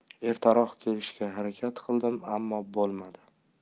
ertaroq kelishga harakat qildim ammo bo'lmadi